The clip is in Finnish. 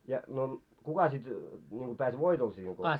ja no kuka sitten niin kuin pääsi voitolle siinä kun